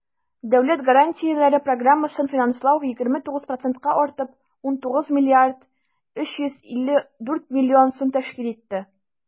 Дәүләт гарантияләре программасын финанслау 29 процентка артып, 19 млрд 354 млн сум тәшкил итте.